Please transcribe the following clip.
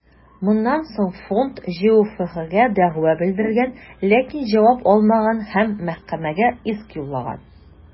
Моннан соң фонд ҖҮФХгә дәгъва белдергән, ләкин җавап алмаган һәм мәхкәмәгә иск юллаган.